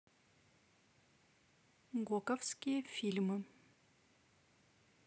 гоковские фильмы